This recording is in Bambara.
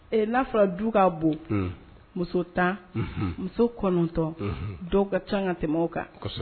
E n'a fɔra du ka bon. Unhun. Muso 10,. Unhun. Muso 9 ,. Unhun. Dɔw ka ca ka tɛmɛ o kan. Kos